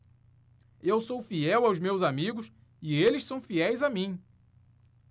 eu sou fiel aos meus amigos e eles são fiéis a mim